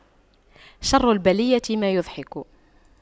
شر البلية ما يضحك